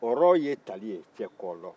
rɔ ye tali ye cɛkɔrɔ